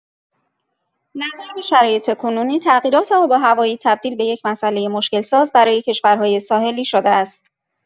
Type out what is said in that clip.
نظر به شرایط کنونی، تغییرات آب و هوایی تبدیل به یک مسئله مشکل‌ساز برای کشورهای ساحلی شده است.